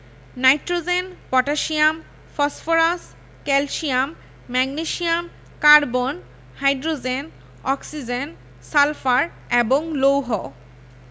nitrogen potassium phosphorus calcium magnesium carbon hydrogen oxygen sulphur এবং লৌহ